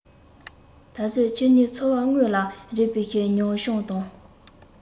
ད བཟོད ཁྱོད ཉིད ཚོར བ དངོས ལ རེག པའི མྱོང བྱང དང